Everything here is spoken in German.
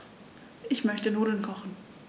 Ich möchte Nudeln kochen.